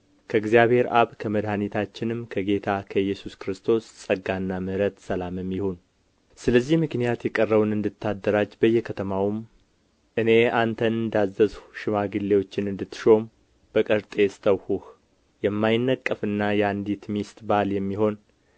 ከእግዚአብሔር አብ ከመድኃኒታችንም ከጌታ ከኢየሱስ ክርስቶስ ጸጋና ምሕረት ሰላምም ይሁን ስለዚህ ምክንያት የቀረውን እንድታደራጅ በየከተማውም እኔ አንተን እንዳዘዝሁ ሽማግሌዎችን እንድትሾም በቀርጤስ ተውሁህ የማይነቀፍና የአንዲት ሚስት ባል የሚሆን